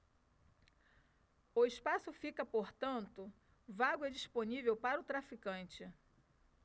o espaço fica portanto vago e disponível para o traficante